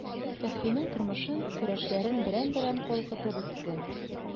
Фәхринең тормышын, көрәшләрен берәм-берәм калкытып үтте.